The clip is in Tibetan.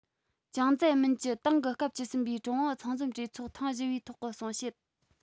ཅང ཙེ རྨིན གྱི ཏང གི སྐབས བཅུ གསུམ པའི ཀྲུང ཨུ ཚང འཛོམས གྲོས ཚོགས ཐེངས བཞི པའི ཐོག གི གསུང བཤད